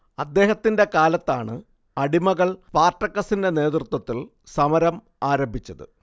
അദ്ദേഹത്തിന്റെ കാലത്താണ് അടിമകൾ സ്പാർട്ടക്കുസിന്റെ നേതൃത്വത്തിൽ സമരം ആരംഭിച്ചത്